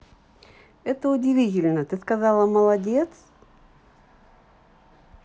это удивительно ты сказала молодец